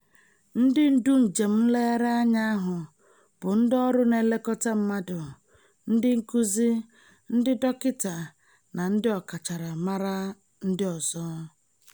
Ndị ndu njem nlegharị anya ahụ bụ ndị ọrụ na-elekọta mmadụ, ndị nkuzi, ndị dọkịta na ndị ọkachamara ndị ọzọ.